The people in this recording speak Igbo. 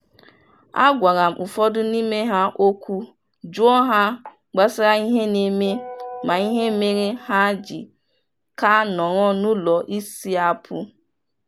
Agwara m ụfọdụ n'ime ha okwu jụọ ha gbasara ihe na-eme ma ihe mere ha ji ka nọrọ n'ụlọ esi apụ.